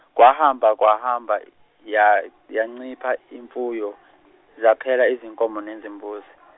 kwahamba kwahamba ya yancipha imfuyo zaphela izinkomo nezimbuzi.